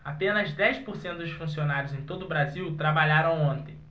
apenas dez por cento dos funcionários em todo brasil trabalharam ontem